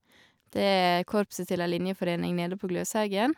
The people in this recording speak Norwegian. Det er korpset til ei linjeforening nede på Gløshaugen.